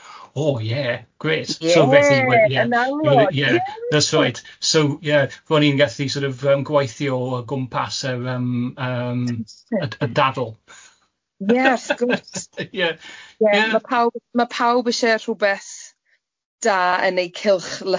ie gret. Ie yn amlwg. So ie ro ni'n gallu sort of ymm gwaithio o gwmpas yr ymm dadl. Ie wrth gwrs. Ie. Ie ma pawb isio rhywbeth da yn i cylchlyth-